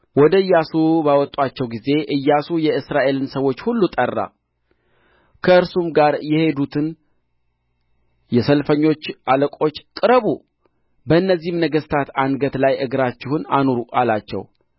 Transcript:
ወደ ኢያሱ ባወጡአቸው ጊዜ ኢያሱ የእስራኤልን ሰዎች ሁሉ ጠራ ከእርሱም ጋር የሄዱትን የሰልፈኞች አለቆች ቅረቡ በእነዚህም ነገሥታት አንገት ላይ እግራችሁን አኑሩ አላቸው